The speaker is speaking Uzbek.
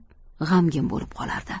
g'amgin bo'lib qolardi